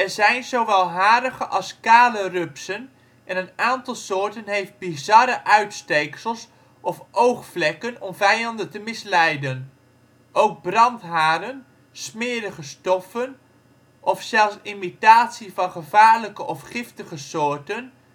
zijn zowel harige als kale rupsen en een aantal soorten heeft bizarre uitsteeksels of oogvlekken om vijanden te misleiden. Ook brandharen, smerige stoffen of zelfs imitatie van gevaarlijke of giftige soorten